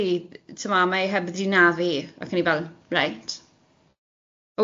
fi, ti'bod, mae e heb 'di naddu ac o'n i fel, reit.